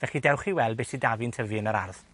Felly, dewch i weld be' sy 'da fi'n tyfu yn yr ardd.